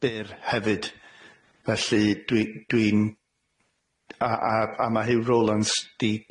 byr hefyd felly dwi dwi'n a a a ma' Huw Rowlands 'di